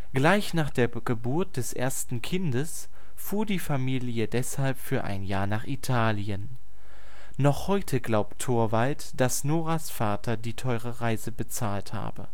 Gleich nach der Geburt des ersten Kindes fuhr die Familie deshalb für ein Jahr nach Italien. Noch heute glaubt Torvald, dass Noras Vater die teure Reise bezahlt habe